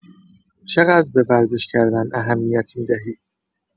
چقدر به ورزش کردن اهمیت می‌دهی؟